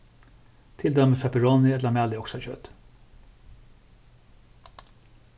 til dømis pepperoni ella malið oksakjøt